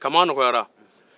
kaman nɔgɔyara